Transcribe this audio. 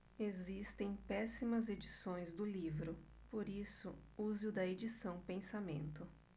existem péssimas edições do livro por isso use o da edição pensamento